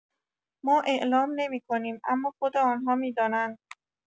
ما اعلام نمی‌کنیم اما خود آن‌ها می‌دانند.